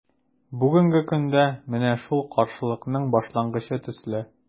Бүгенге көндә – менә шул каршылыкның башлангычы төсле.